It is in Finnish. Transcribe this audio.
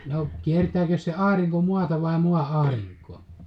no kiertääkös se aurinko maata vai maa aurinkoa